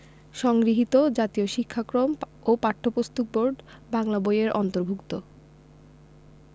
সংগৃহীত জাতীয় শিক্ষাক্রম ও পাঠ্যপুস্তক বোর্ড বাংলা বই এর অন্তর্ভুক্ত